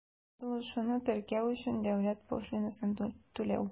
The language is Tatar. Язылышуны теркәү өчен дәүләт пошлинасын түләү.